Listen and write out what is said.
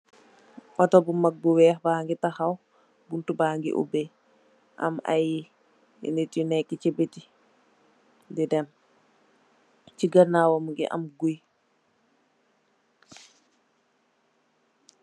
Otto bu mak bu wèèx ba'ngi taxaw buntu ba'ngi ubééku, am ay nit yu nekka ci bitih di dem. Ci ganaw wam mugii am guy.